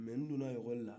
'mais ndona ekol la